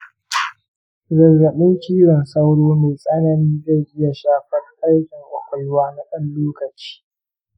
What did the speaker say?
zazzaɓin cizon sauro mai tsanani zai iya shafar aikin ƙwaƙwalwa na ɗan lokaci.